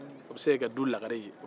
o bɛ se ka kɛ du lakare ye